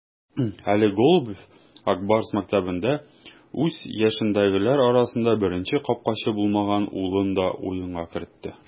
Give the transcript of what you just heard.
Әле Голубев "Ак Барс" мәктәбендә үз яшендәгеләр арасында беренче капкачы булмаган улын да уенга кертте.